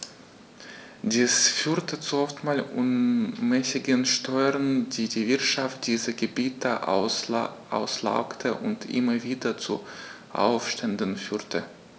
Dies führte zu oftmals unmäßigen Steuern, die die Wirtschaft dieser Gebiete auslaugte und immer wieder zu Aufständen führte.